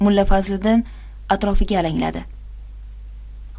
mulla fazliddin atrofiga alangladi